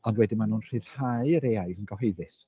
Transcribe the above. Ond wedyn maen nhw'n rhyddhau'r AIs yn gyhoeddus.